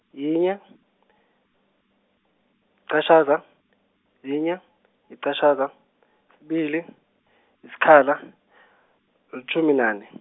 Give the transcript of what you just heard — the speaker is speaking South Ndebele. yinye , -qatjhaza, yinye, yiqatjhaza, kubili, yisikhala, litjhumi nane.